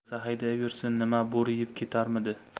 haydasa haydayversin nima bo'ri yeb ketarmidi